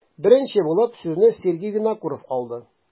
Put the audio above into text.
Беренче булып сүзне Сергей Винокуров алды.